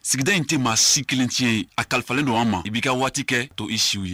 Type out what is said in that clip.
Sigida in tɛ maa si kelen tiɲɛ ye. A kalifalen don an ma, i bi ka waati kɛ to i siw ye